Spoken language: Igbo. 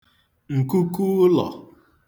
ǹkuku ụlọ̄